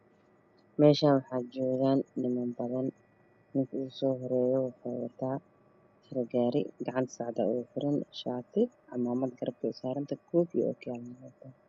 Meeshaan waxa joogaan niman badan ninka ugu so horeyo wuxu wataa furo gaari gacanta saacada aa oogu xiran shaati camaamad garabka usaarantahay koofi iyo okiyaalona wuu wataa